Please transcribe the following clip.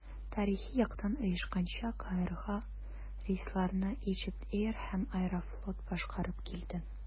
Тарихи яктан оешканча, Каирга рейсларны Egypt Air һәм «Аэрофлот» башкарып килде.